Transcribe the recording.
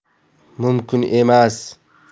mumkin emas